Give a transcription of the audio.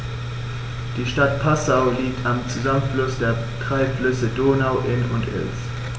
Die Stadt Passau liegt am Zusammenfluss der drei Flüsse Donau, Inn und Ilz.